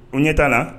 U ɲɛ t na